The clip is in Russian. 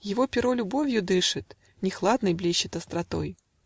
Его перо любовью дышит, Не хладно блещет остротой